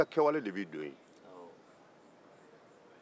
i ka kɛwale de b'i don yen